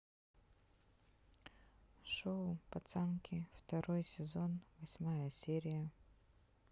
шоу пацанки второй сезон восьмая серия